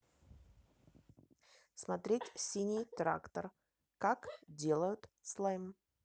смотреть синий трактор как делают слайм